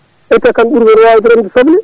ete kamɓe ɓuurimen wawde remde soble